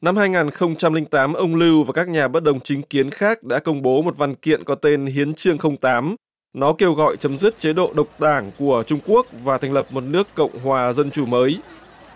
năm hai ngàn không trăm linh tám ông lưu và các nhà bất đồng chính kiến khác đã công bố một văn kiện có tên hiến chương không tám nó kêu gọi chấm dứt chế độ độc đảng của trung quốc và thành lập một nước cộng hòa dân chủ mới